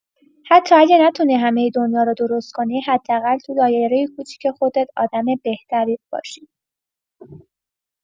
حتی اگه نتونی همه دنیا رو درست کنی، حداقل تو دایره کوچیک خودت آدم بهتری باشی.